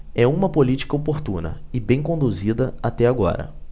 é uma política oportuna e bem conduzida até agora